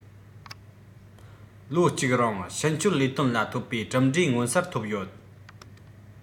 ལོ གཅིག རིང ཤིན སྐྱོར ལས དོན ལ ཐོབ པའི གྲུབ འབྲས མངོན གསལ ཐོབ ཡོད